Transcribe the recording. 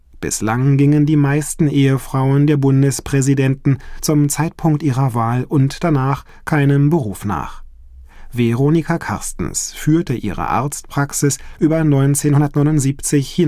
Bislang gingen die meisten Ehefrauen der Bundespräsidenten zum Zeitpunkt ihrer Wahl und danach keinem Beruf nach. Veronica Carstens führte ihre Arztpraxis über 1979